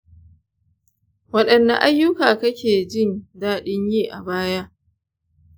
wadanne ayyuka kake jin dadin yi a baya?